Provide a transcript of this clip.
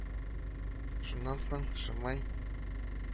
Шуннан соң шимай